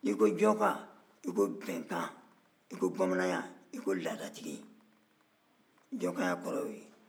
nr'i ko jɔnka i ko bɛnkan i ko bamananya i ko laadatigi jɔnkaya kɔrɔ y'o ye